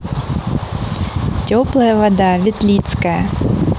теплая вода ветлицкая